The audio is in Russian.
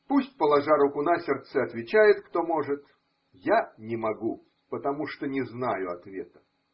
Пусть, положа руку на сердце, отвечает, кто может, – я не могу, потому что не знаю ответа.